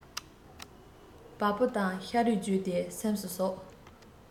བ སྤུ དང ཤ རུས བརྒྱུད དེ སེམས སུ ཟུག